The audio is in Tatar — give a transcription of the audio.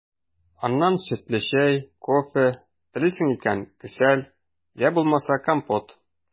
Аннан сөтле чәй, кофе, телисең икән – кесәл, йә булмаса компот.